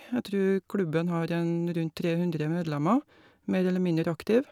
Jeg trur klubben har en rundt tre hundre medlemmer, mer eller mindre aktiv.